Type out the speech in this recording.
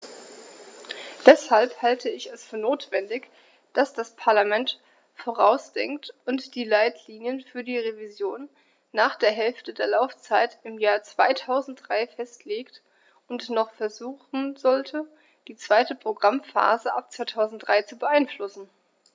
Deshalb halte ich es für notwendig, dass das Parlament vorausdenkt und die Leitlinien für die Revision nach der Hälfte der Laufzeit im Jahr 2003 festlegt und noch versuchen sollte, die zweite Programmphase ab 2003 zu beeinflussen.